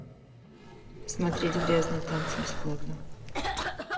смотреть грязные танцы бесплатно